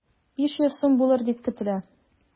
500 сум булыр дип көтелә.